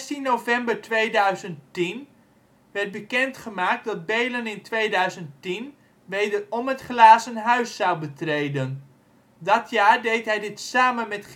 16 november 2010 werd bekendgemaakt dat Beelen in 2010 wederom het glazen huis zou betreden. Dat jaar deed hij dit samen met